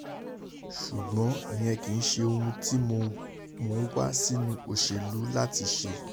Ṣùgbọ́n ìyẹn kìí ṣe ohun tí Mo wá sínú òṣèlú láti ṣe.